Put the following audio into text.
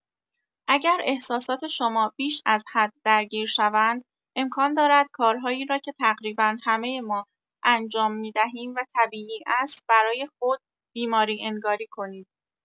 اگر احساسات شما بیش از حد درگیر شوند، امکان دارد کارهایی را که تقریبا همه ما انجام می‌دهیم و طبیعی است برای خود بیماری‌انگاری کنید.